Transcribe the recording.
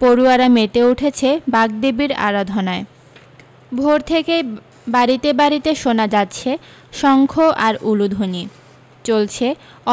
পড়ুয়ারা মেতে উঠেছে বাগদেবীর আরাধনায় ভোর থেকেই বাড়ীতে বাড়ীতে শোনা যাচ্ছে শঙ্খ আর উলুধ্বনি চলছে